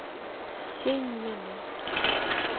семь минут